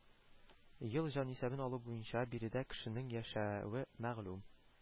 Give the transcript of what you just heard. Ел җанисәбен алу буенча биредә кешенең яшәве мәгълүм